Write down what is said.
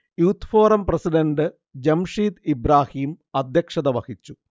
youth forum president Jamsheed Ibrahim അദ്ധ്യക്ഷത വഹിച്ചു